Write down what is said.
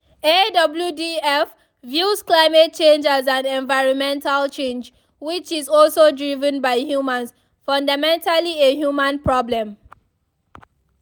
AWDF views climate change as an environmental change, which is also driven by humans—fundamentally a human problem.